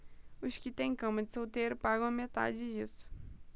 os que têm cama de solteiro pagam a metade disso